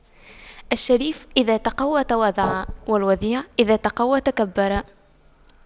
الشريف إذا تَقَوَّى تواضع والوضيع إذا تَقَوَّى تكبر